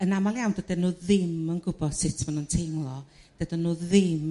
yn amal iawn dydyn nhw ddim yn gw'bo' sut ma' nhw'n teimlo dydyn nhw ddim